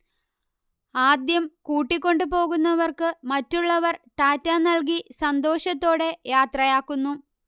ആദ്യം കൂട്ടിക്കൊണ്ടുപോകുന്നവർക്കു മറ്റുള്ളവർ ടാറ്റാ നൽകി സന്തോഷത്തോടെ യാത്രയാക്കുന്നു